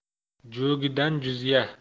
jo'gidan juz'ya